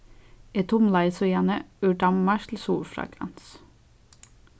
eg tumlaði síðani úr danmark til suðurfraklands